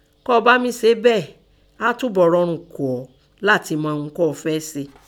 Kọ́ ọ bá mí ṣe bẹ́ẹ̀, áá túbọ̀ rọrùn ko ọ́ látin mọ ihun kọ́ọ fẹ́ẹ́ se.